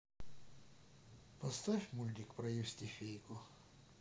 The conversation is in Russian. поставь мультик про евстифейку